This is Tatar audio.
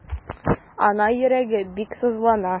Ана йөрәге бик сызлана.